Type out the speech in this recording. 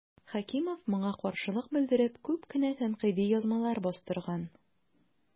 Хәкимов моңа каршылык белдереп күп кенә тәнкыйди язмалар бастырган.